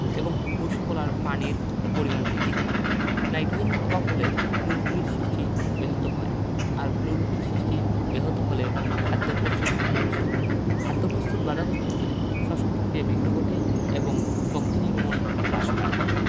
এবং কোষ কলায় পানির পরিমাণ বৃদ্ধি করে নাইট্রোজেনের অভাব হলে ক্লোরোফিল সৃষ্টি ব্যাহত হয় আর ক্লোরোফিল সৃষ্টি ব্যাহত হলে খাদ্য প্রস্তুত বাধাপ্রাপ্ত হয় খাদ্যপ্রস্তুত বাধাপ্রাপ্ত হলে শ্বসন প্রক্রিয়ায় বিঘ্ন ঘটে এবং শক্তি নির্গমন হ্রাস পায়